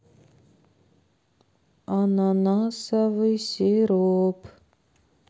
ананасовый сироп